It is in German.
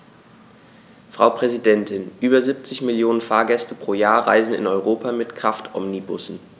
Frau Präsidentin, über 70 Millionen Fahrgäste pro Jahr reisen in Europa mit Kraftomnibussen.